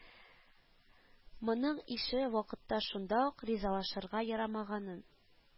Моның ише вакытта шунда ук ризалашырга ярамаганын